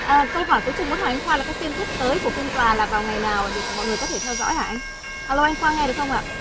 à câu hỏi cuối cùng muốn hỏi anh khoa là cái phiên tiếp tới của phiên tòa là vào ngày nào ạ để mọi người có thể theo dõi hả anh a lô anh khoa nghe được không ạ